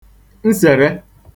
nsère